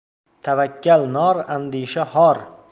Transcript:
tavakkal nor andisha xor